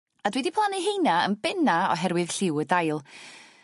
a dwi 'di plannu heina yn bena oherwydd lliw y dail.